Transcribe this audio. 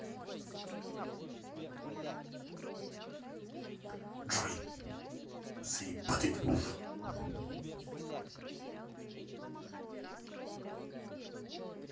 джой заебатый ты мужик